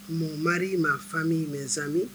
n mon marie , ma famille, mes amis